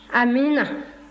amiina